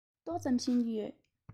ཏོག ཙམ ཤེས ཀྱི ཡོད